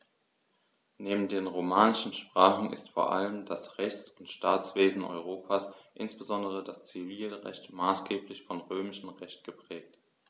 Neben den romanischen Sprachen ist vor allem das Rechts- und Staatswesen Europas, insbesondere das Zivilrecht, maßgeblich vom Römischen Recht geprägt.